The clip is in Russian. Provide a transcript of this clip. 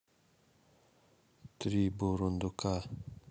три бурундука